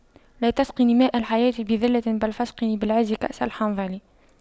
لا تسقني ماء الحياة بذلة بل فاسقني بالعز كأس الحنظل